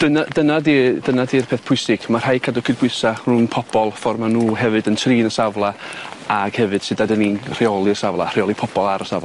Dyna dyna 'di dyna 'di'r peth pwysig ma' rhai cadw cydbwysa rhwng pobol ffor' ma' n'w hefyd yn trin y safla ag hefyd sud 'da ni'n rheoli'r safla rheoli pobol ar y safla.